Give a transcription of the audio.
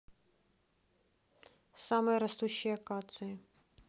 самые растущие акции